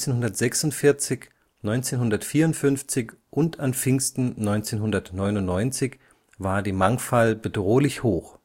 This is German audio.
1946, 1954 und an Pfingsten 1999 war die Mangfall bedrohlich hoch